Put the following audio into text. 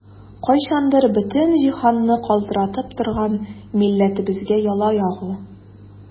Кайчандыр бөтен җиһанны калтыратып торган милләтебезгә яла ягу!